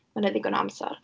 Ma' 'na ddigon o amser.